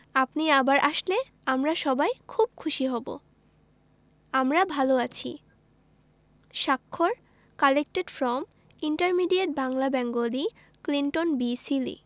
আপনি আবার আসলে আমরা সবাই খুব খুশি হব আমরা ভালো আছি স্বাক্ষর collected from intermediate Bangla Bengali Clinton B Seely